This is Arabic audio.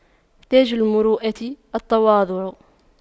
تاج المروءة التواضع